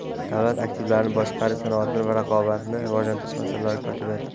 davlat aktivlarini boshqarish sanoatni va raqobatni rivojlantirish masalalari kotibiyati